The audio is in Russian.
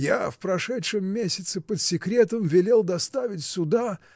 Я в прошедшем месяце под секретом велел доставить сюда